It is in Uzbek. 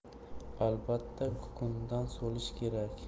albatta kukunidan solish kerak